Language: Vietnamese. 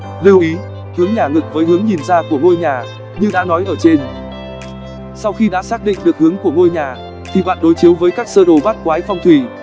lưu ý hướng nhà ngược với hướng nhìn ra của ngôi nhà như đã nói ở trên sau khi đã xác định được hướng của ngôi nhà thì bạn đối chiếu với các sơ đồ bát quái phong thủy